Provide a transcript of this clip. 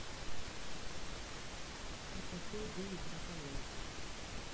кто такой дэвид рафаловски